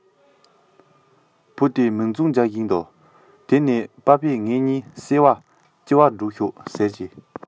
བུ དེས མིག འཛུམ རྒྱག གིན རྒྱག གིན ལ དེ ནས དེ ནས པ ཕས ངའི གཉིད བསད ནས ལྕི བ སྒྲུག ཤོག ཟེར གྱིས